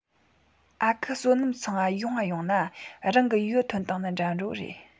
ཨ ཁུ བསོད ནམས ཚང ང ཡོང ང ཡོང ན རང གི ཡུའུ ཐོན བཏང ནི འདྲ འདྲ བོ རེད